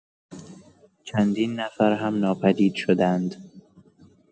چندین نفر هم ناپدید شدند.